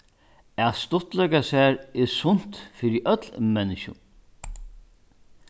at stuttleika sær er sunt fyri øll menniskju